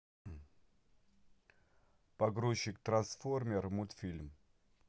погрузчик трансформер мультфильм